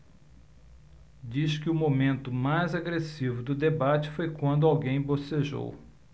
diz que o momento mais agressivo do debate foi quando alguém bocejou